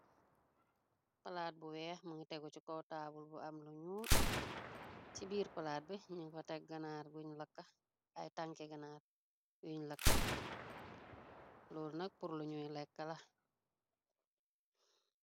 Palaat bu weex mungi tegu ci kowtaawul bu am luñu ci biir palaat bi nin fa teg ganaar guñ lakka ay tànke ganaar buñ lëkk luur nak pur lu ñuy lekka la.